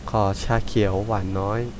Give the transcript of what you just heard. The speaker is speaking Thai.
ขอชาเขียวหวานน้อย